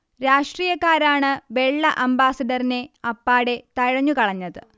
രാഷ്ട്രീയക്കാരാണ് വെള്ള അംബാസിഡറിനെ അപ്പാടെ തഴഞ്ഞു കളഞ്ഞത്